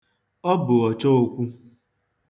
Ị bụ ọchookwu.